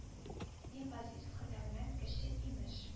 Ни газиз һөнәрмәнд кеше имеш